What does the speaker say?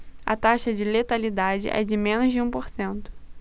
a taxa de letalidade é de menos de um por cento